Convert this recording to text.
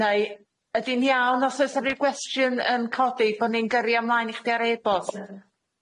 Neu ydi'n iawn os oes na ryw gwestiwn yn codi bo' ni'n gyrru o mlaen i chdi ar e-bost?